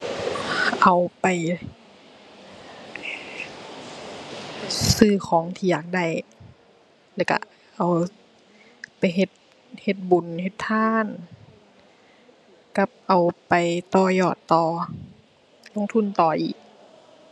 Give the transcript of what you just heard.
เอาไป ซื้อของที่อยากได้แล้วก็เอาไปเฮ็ด เฮ็ดบุญเฮ็ดทาน กับเอาไปต่อยอดต่อลงทุนต่ออีก